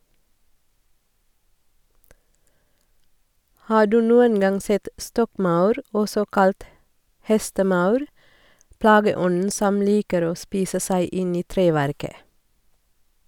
Har du noen gang sett stokkmaur, også kalt hestemaur, plageånden som liker å spise seg inn i treverket?